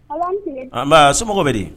Nba so bɛ di